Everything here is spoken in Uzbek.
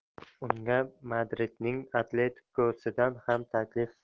unga madridning atletiko sidan ham taklif